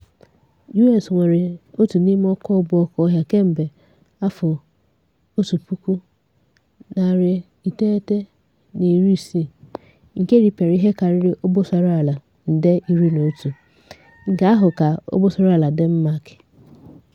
US nwere otu n'ime ọkụ ọgbụgba okéọhịa kemgbe 1960, nke repịara ihe karịrị obosaraala nde 11 (nke ahụ ha ka obosaraala Denmark).